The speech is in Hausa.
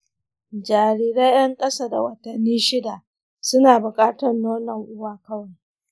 jarirai yan ƙasa da watanni shida suna buƙatar nonon uwa kawai.